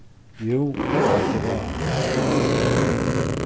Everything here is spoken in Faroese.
jú tað veit eg væl